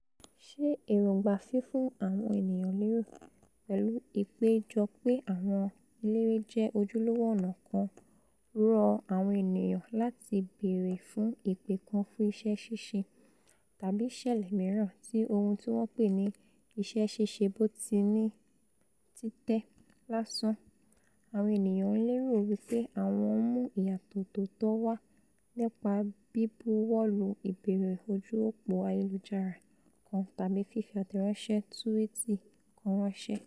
Sé èròǹgbà fífún àwọn ènìyàn lérè pẹ̀lú ìpéjọpè àwọn eléré jẹ ojúlówó ọ̀nà kan rọ àwọn ènìyàn láti bèèrè fún ìpè kan fún iṣẹ́ ṣíṣe, tàbí i̇̀ṣẹ̀lẹ mìíràn ti ohun tíwọ́n pè ní ''iṣẹ́ ṣíṣe bọ́tìnnì títẹ̀'' lásán - àwọn ènìyàn ńlérò wipr àwọn ńmú ìyàtọ̀ tóótọ̀ wá nípa bíbuwọ́lu ìbéèrè ojú-ópó ayelujara kan tàbí fífi àtẹ̀ránṣẹ́ tuwiti kan ránṣé?